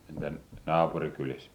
entä naapurikylissä